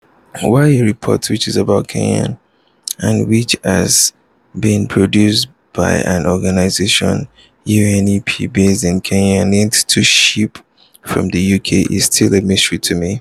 Why a report which is about Kenya and which has been produced by an organization (UNEP) based in Kenya needs to shipped from the UK is still a mystery to me.